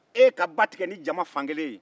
e ka ba tigɛ ni jama fan kelen ye